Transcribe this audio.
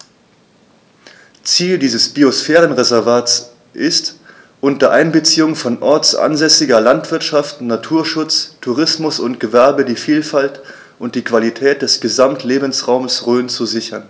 Ziel dieses Biosphärenreservates ist, unter Einbeziehung von ortsansässiger Landwirtschaft, Naturschutz, Tourismus und Gewerbe die Vielfalt und die Qualität des Gesamtlebensraumes Rhön zu sichern.